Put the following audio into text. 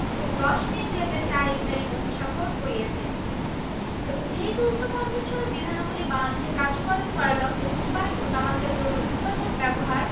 এবং ১০ মে ২০০৪ইং তারিখে অনুস্বাক্ষর করিয়অছে এবং যেহেতু উক্ত কনভেনশনের বিধানাবলী বাংলাদেশে কার্যকর করার লক্ষ্যে ধূমপান ও তামাকজাত দ্রব্যের উৎপাদন ব্যবহার